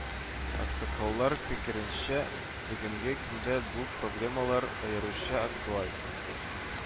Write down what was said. Аксакаллар фикеренчә, бүгенге көндә бу проблемалар аеруча актуаль